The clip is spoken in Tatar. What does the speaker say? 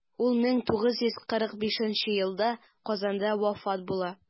Ул 1945 елда Казанда вафат була.